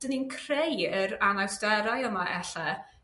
'dyn ni'n creu yr anawsterau yma ella?